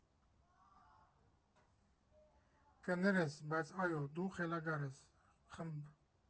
Կներես, բայց այո, դու խելագար ես ֊ խմբ.